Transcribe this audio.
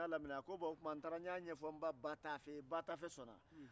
a ko n y'a ɲɛfɔ n ba ba tafe ye ba tafe sɔnna